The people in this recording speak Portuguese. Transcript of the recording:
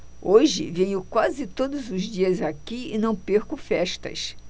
hoje venho quase todos os dias aqui e não perco festas